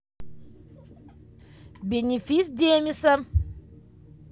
бенефис демиса